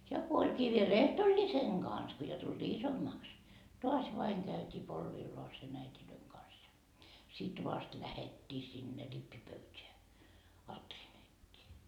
ja kun olikin vielä ehtoollisen kanssa kun jo tultiin isommaksi taas vain käytiin polvilleen äitien kanssa ja sitten vasta lähdettiin sinne rippipöytään alttarin eteen